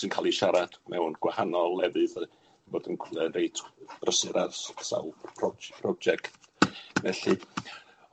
sy'n ca'l 'i siarad mewn gwahanol lefydd oe- bod yn gw- yy reit brysur ar sawl proj- project felly.